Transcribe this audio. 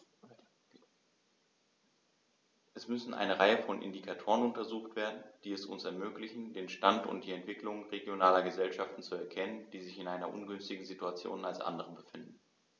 Es müssen eine Reihe von Indikatoren untersucht werden, die es uns ermöglichen, den Stand und die Entwicklung regionaler Gesellschaften zu erkennen, die sich in einer ungünstigeren Situation als andere befinden.